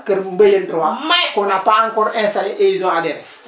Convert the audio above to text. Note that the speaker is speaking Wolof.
kër Mbeyeen 3 qu' on n' a pas encore installé et ils ont adhéré